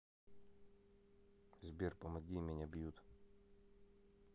сбер помоги меня бьют